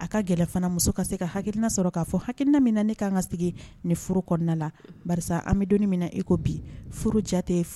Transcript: A ka gɛlɛfana muso ka se ka hakiina sɔrɔ k'a fɔ hakiina min na ne k'an ka sigi ni furu kɔnɔna la an bɛ donmina na i ko bi furu jate tɛ